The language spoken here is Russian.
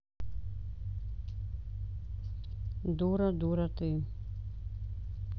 дура дура ты